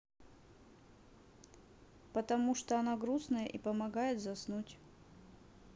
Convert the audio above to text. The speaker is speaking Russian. потому что она грустная и помогает заснуть